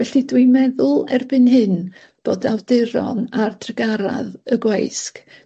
Felly dwi'n meddwl erbyn hyn bod awduron ar drugaradd y gweisg.